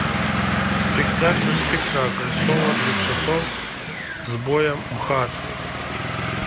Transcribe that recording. спектакль спектакль соло для часов сбоя мхат